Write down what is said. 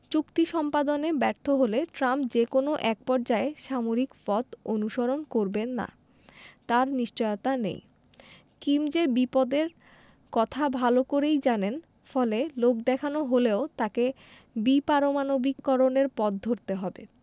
চুক্তি সম্পাদনে ব্যর্থ হলে ট্রাম্প যে কোনো একপর্যায়ে সামরিক পথ অনুসরণ করবেন না তার নিশ্চয়তা নেই কিম সে বিপদের কথা ভালো করেই জানেন ফলে লোকদেখানো হলেও তাঁকে বিপারমাণবিকীকরণের পথ ধরতে হবে